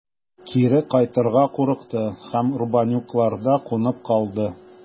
Кире кайтырга курыкты һәм Рубанюкларда кунып калды.